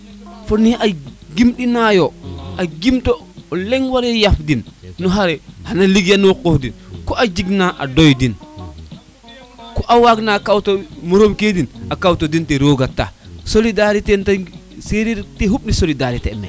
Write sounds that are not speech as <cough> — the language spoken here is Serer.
<music> fone ne a gim tina yo a gim to o leŋ ware yaq din no xare xana ligeye na qox den ku a jeg na adoyadin ku a waag na kaw to morom ke den a kaw ta den te roga tax solidarite no sereer ten xupu solidarite